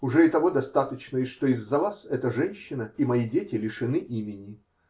Уже и того достаточно, что из-за вас эта женщина и мои дети лишены имени.